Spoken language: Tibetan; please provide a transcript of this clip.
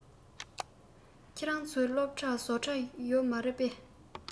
ཁྱོད རང ཚོའི སློབ གྲྭར བཟོ གྲྭ ཡོད མ རེད པས